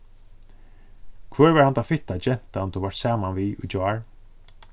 hvør var handa fitta gentan tú vart saman við í gjár